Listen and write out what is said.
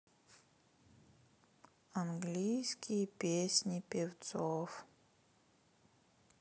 английские песни певцов